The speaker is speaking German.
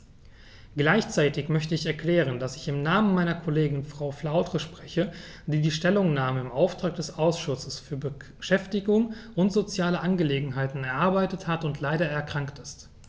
Gleichzeitig möchte ich erklären, dass ich im Namen meiner Kollegin Frau Flautre spreche, die die Stellungnahme im Auftrag des Ausschusses für Beschäftigung und soziale Angelegenheiten erarbeitet hat und leider erkrankt ist.